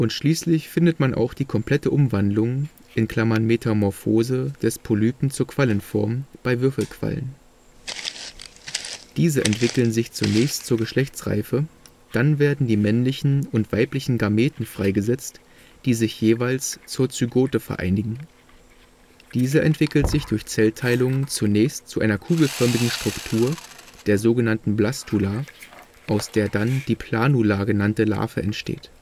Schließlich findet man auch die komplette Umwandlung (Metamorphose) des Polypen zur Quallenform – bei Würfelquallen. Diese entwickeln sich zunächst zur Geschlechtsreife. Dann werden die männlichen und weiblichen Gameten freigesetzt, die sich jeweils zur Zygote vereinigen. Diese entwickelt sich durch Zellteilung zunächst zu einer kugelförmigen Struktur, der so genannten Blastula, aus der dann die Planula genannte Larve entsteht